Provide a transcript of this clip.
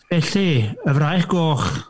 Felly, Y Fraich Goch